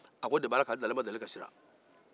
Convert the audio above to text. a ko depi ala k'ale da ale ma deli ka siran